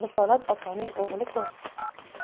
risolat opaning o'g'li ku